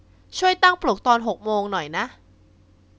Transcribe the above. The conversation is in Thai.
ช่วยตั้งปลุกตอนหกโมงหน่อยนะ